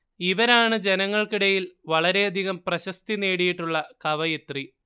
ഇവരാണ് ജനങ്ങൾക്കിടയിൽ വളരെയധികം പ്രശസ്തി നേടിയിട്ടുള്ള കവയിത്രി